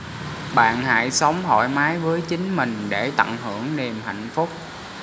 bạn hãy sống thoải mái với chính mình để tận hưởng niềm hạnh phúc